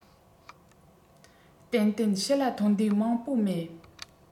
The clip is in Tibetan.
ཏན ཏན ཕྱི ལ ཐོན དུས མང པོ མེད